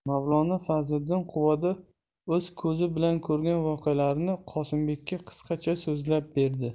mavlono fazliddin quvada o'z ko'zi bilan ko'rgan voqealarni qosimbekka qisqacha so'zlab berdi